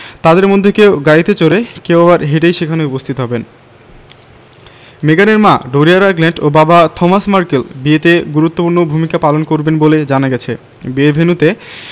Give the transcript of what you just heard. তাঁদের মধ্যে কেউ গাড়িতে চড়ে কেউ আবার হেঁটেই সেখানে উপস্থিত হবেন মেগানের মা ডোরিয়া রাগল্যান্ড ও বাবা থমাস মার্কেল বিয়েতে গুরুত্বপূর্ণ ভূমিকা পালন করবেন বলে জানা গেছে বিয়ের ভেন্যুতে